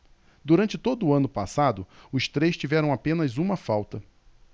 durante todo o ano passado os três tiveram apenas uma falta